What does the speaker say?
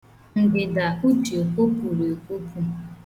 Ngịda Uche kwopụrụ ekwopụ.